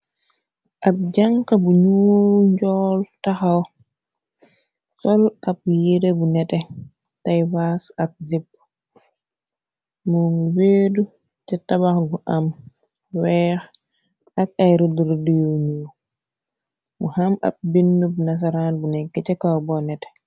Ab jànka bu nu njool taxa sol ab yire bu nete tay waas ak zép mo ngu weedu te tabax gu am weex ak ay rodrodyunu mu xam ab bind bu nasaran bu nekk ca kaw bo nete.